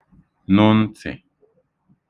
nụ̄ n̄tị̀